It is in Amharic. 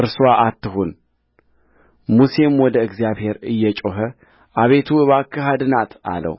እርስዋ አትሁንሙሴም ወደ እግዚአብሔር እየጮኸ አቤቱ እባክህ አድናት አለው